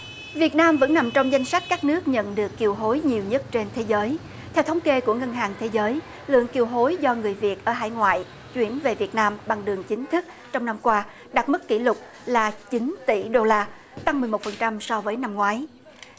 việt nam vẫn nằm trong danh sách các nước nhận được kiều hối nhiều nhất trên thế giới theo thống kê của ngân hàng thế giới lượng kiều hối do người việt ở hải ngoại chuyển về việt nam bằng đường chính thức trong năm qua đạt mức kỷ lục là chín tỷ đô la tăng mười một phần trăm so với năm ngoái